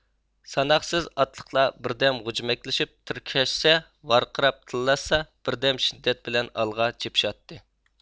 ساناقسىز ئاتلىقلار بىردەم غۇجمەكلىشىپ تىركەشسە ۋارقىراپ تىللاشسا بىردەم شىددەت بىلەن ئالغا چېپىشاتتى